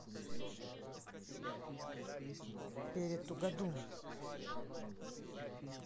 перед тугодум